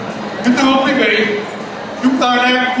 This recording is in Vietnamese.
kính thưa quý vị chúng ta